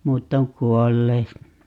muut on kuolleet